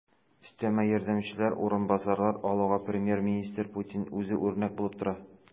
Өстәмә ярдәмчеләр, урынбасарлар алуга премьер-министр Путин үзе үрнәк булып тора.